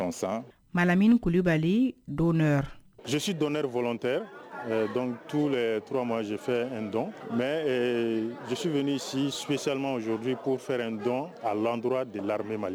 Kulubali don joosi dɔnɛ tɛ t' turamafɛ dɔn mɛ josi si su sazo ko fɛ dɔn a latura de lamɛ mali